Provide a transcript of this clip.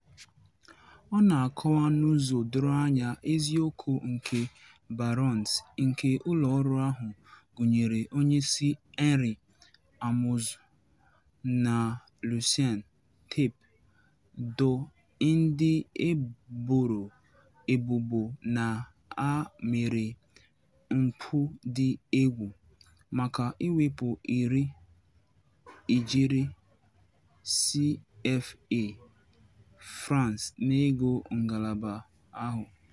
Ọ na-akọwa n'ụzọ doro anya eziokwu nke 'barons' nke ụlọọrụ ahụ, gụnyere onyeisi Henri Amouzou na Lucien Tapé Doh ndị e boro ebubo na ha mere mpụ dị egwu maka iwepụ iri ijeri CFA francs n'ego ngalaba ahụ.